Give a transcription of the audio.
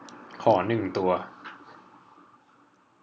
ขอหนึ่งตัว